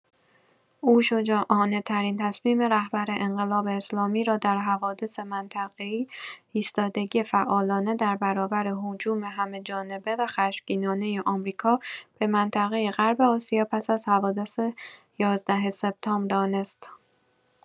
او شجاعانه‌ترین تصمیم رهبر انقلاب اسلامی را در حوادث منطقه‌ای ایستادگی فعالانه در برابر هجوم همه‌جانبه و خشمگینانۀ آمریکا به منطقۀ غرب آسیا پس از حوادث ۱۱ سپتامبر دانست.